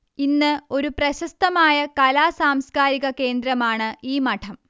ഇന്ന് ഒരു പ്രശസ്തമായ കലാ സാംസ്കാരിക കേന്ദ്രമാണ് ഈ മഠം